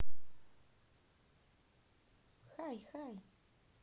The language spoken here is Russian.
хай хай